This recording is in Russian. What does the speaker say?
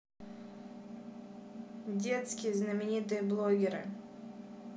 детские знаменитые блогеры